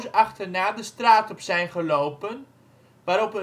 achterna de straat op zijn gelopen, waarop